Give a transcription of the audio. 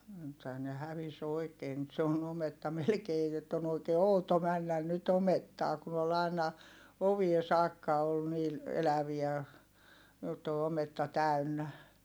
nythän ne hävisi oikein nyt se on ometta melkein jotta on oikein outo mennä nyt omettaan kun oli aina oviin saakka oli niillä eläviä jotta on ometta täynnä